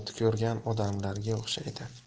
ko'rgan odamlarga o'xshaydi